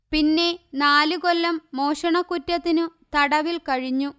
പിന്നെ നാലു കൊല്ലം മോഷണക്കുറ്റത്തിനു തടവിൽ കഴിഞ്ഞു